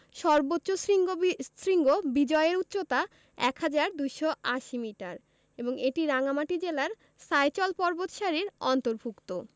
সর্বোচ্চ শৃঙ্গ বিজয় এর উচ্চতা ১হাজার ২৮০ মিটার এবং এটি রাঙ্গামাটি জেলার সাইচল পর্বতসারির অন্তর্ভূক্ত